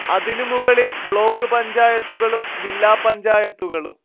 അതിനു മുകളിൽ ബ്ലോക്ക് പഞ്ചായത്തുകളും ജില്ലാപഞ്ചായത്തുകളും